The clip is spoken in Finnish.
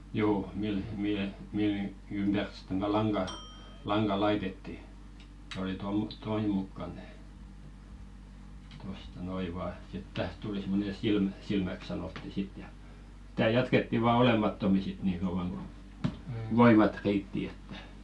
juu millä mihin millä niin ympäri sitten tätä langan langan laitettiin oli - tuon mukaan tehty tuosta noin vain sitten tähän tuli semmoinen silmä silmäksi sanottiin sitten ja tätä jatkettiin vain olemattomiin sitten niin kauan kuin voimat riitti että